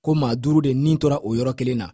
ko maa duuru de ni tora o yɔrɔ kelen na